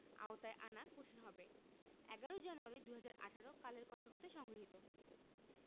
আওতায় আনা কঠিন হবে ১১ জানুয়ারি ২০১৮ কালের কন্ঠ হতে সংগৃহীত